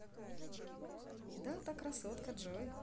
дата красотка джой